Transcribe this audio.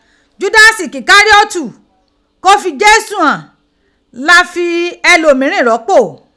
Judasi Kikariotu ko fi Jesu han la fi elomirin ropo